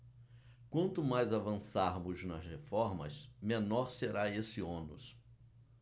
quanto mais avançarmos nas reformas menor será esse ônus